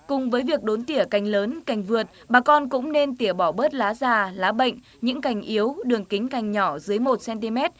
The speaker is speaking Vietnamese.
cùng với việc đốn tỉa cành lớn cành vượt bà con cũng nên tỉa bỏ bớt lá già lá bệnh những cành yếu đường kính cành nhỏ dưới một xen ti mét